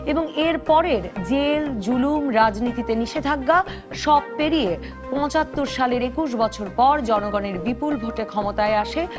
এবং এর পরের জেল-জুলুম রাজনীতিতে নিষেধাজ্ঞা সব পেরিয়ে ৭৫ সালের ২১ বছর পর জনগণের বিপুল ভোটে ক্ষমতায় আসে